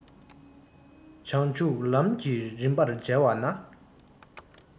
བྱང ཆུབ ལམ གྱི རིམ པར མཇལ བ ན